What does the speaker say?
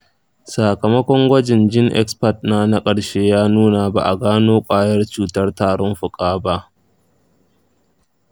sakamakon gwajin genexpert na na ƙarshe ya nuna ba a gano ƙwayar cutar tarin fuka ba.